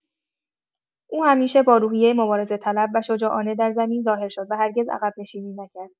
او همیشه با روحیه مبارزه‌طلب و شجاعانه در زمین ظاهر شد و هرگز عقب‌نشینی نکرد.